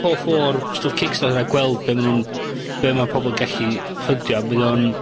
...hoff o'r, stwff Kickstarter, a gweld be' ma' nw'n, be' ma' pobol yn gellu ffyndio, a mae o'n,